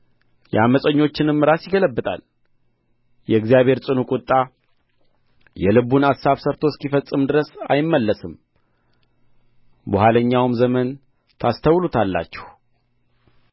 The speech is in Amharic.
የዓመፀኞችንም ራስ ይገለባብጣል የእግዚአብሔር ጽኑ ቍጣ የልቡን አሳብ ሠርቶ እስኪፈጽም ድረስ አይመለስም በኋለኛው ዘመን ታስተውሉታላችሁ